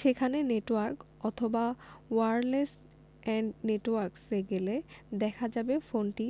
সেখানে নেটওয়ার্ক অথবা wireless and networks এ গেলে দেখা যাবে ফোনটি